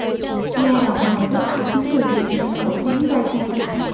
nghe đọc bài bức ảnh chiến trường việt nam nổi tiếng gây tranh cãi